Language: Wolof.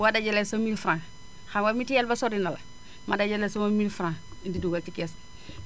boo dajalee sa 1000F xam nga mutuel ba sori na la ma dajale sama 1000F indi dugal ci kees gi